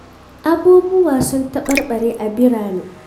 Abubuwa sun taɓarɓare a birane